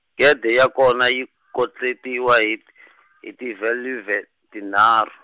gede ya kona yi , kotletiwa hi t- , hi tivhelivhe- ti nharhu.